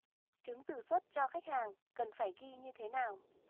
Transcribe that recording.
chứng từ xuất cho khách hàng cần phải ghi như thế nào